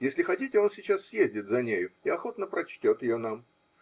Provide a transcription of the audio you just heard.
если хотите, он сейчас съездит за нею и охотно прочтет ее нам.